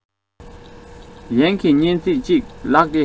ཡན གྱི སྙན ཚིག ཅིག ལགས ཏེ